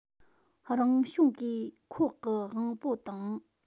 རང བྱུང གིས ཁོག གི དབང པོ དང